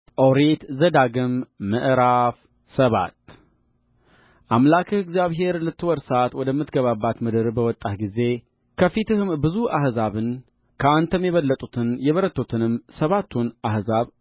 ኦሪት ዘዳግም ምዕራፍ ሰባት አምላክህ እግዚአብሔር ልትወርሳት ወደምትገባባት ምድር ባመጣህ ጊዜ ከፊትህም ብዙ አሕዛብን ከአንተ የበለጡትን የበረቱትንም ሰባቱን አሕዛብ